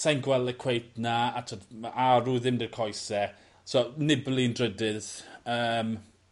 Sai'n gweld e cweit 'na a t'wod ma' Aru ddim 'dy'r coese. So Nibali yn drydydd. Yym.